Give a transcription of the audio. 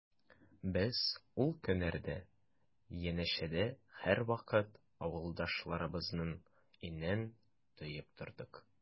Без ул көннәрдә янәшәдә һәрвакыт авылдашларыбызның иңен тоеп тордык.